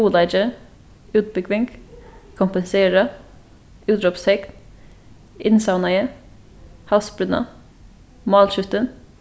ruðuleiki útbúgving kompensera útrópstekn innsavnaði havsbrúnna málskjúttin